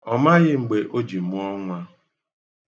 Ọ maghị mgbe o ji mụọ nnwa.